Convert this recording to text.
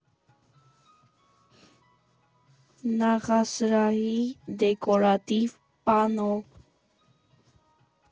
Նախասրահի դեկորատիվ պանո։